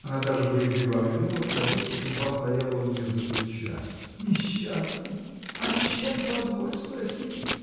Она даже боязливо оглянулась, как будто судьба стояла у нее за плечами. — Несчастный! а чем, позволь спросить?